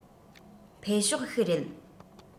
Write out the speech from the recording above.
འཕེལ ཕྱོགས ཤིག རེད